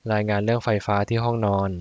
รายงานเรื่องไฟฟ้าที่ห้องนอน